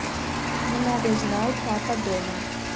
многознал папа дома